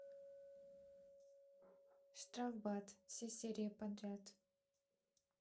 штрафбат все серии сериал